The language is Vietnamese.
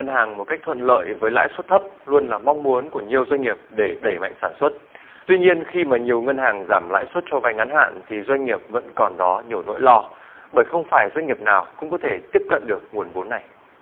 ngân hàng một cách thuận lợi với lãi suất thấp luôn là mong muốn của nhiều doanh nghiệp để đẩy mạnh sản xuất tuy nhiên khi mà nhiều ngân hàng giảm lãi suất cho vay ngắn hạn thì doanh nghiệp vẫn còn đó nhiều nỗi lo bởi không phải doanh nghiệp nào cũng có thể tiếp cận được nguồn vốn này